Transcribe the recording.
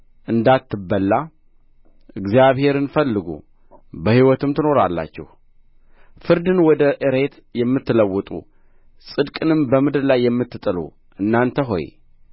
እንዳትበላ እግዚአብሔርን ፈልጉ በሕይወትም ትኖራላችሁ ፍርድን ወደ እሬት የምትለውጡ ጽድቅንም በምድር ላይ የምትጥሉ እናንተ ሆይ